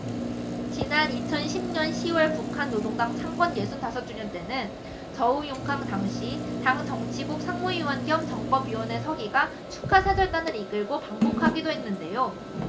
지난 이천 십 년 시 월 북한 노동당 창건 예순 다섯 주년 때는 저우융캉 당시 당 정치국 상무위원 겸 정법위원회 서기가 축하사절단을 이끌고 방북하기도 했는데요